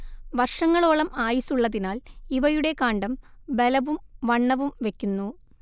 വർഷങ്ങളോളം ആയുസ്സുള്ളതിനാൽ ഇവയുടെ കാണ്ഡം ബലവും വണ്ണവും വയ്ക്കുന്നു